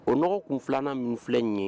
O nɔgɔ tun filanan minnu filɛ in ye